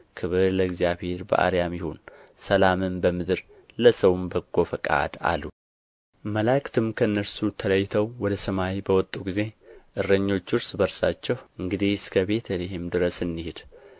ክብር ለእግዚአብሔር በአርያም ይሁን ሰላምም በምድር ለሰውም በጎ ፈቃድ አሉ መላእክትም ከእነርሱ ተለይተው ወደ ሰማይ በወጡ ጊዜ እረኞቹ እርስ በርሳቸው እንግዲህ እስከ ቤተ ልሔም ድረስ እንሂድ